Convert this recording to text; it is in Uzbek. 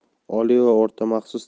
oliy va o'rta maxsus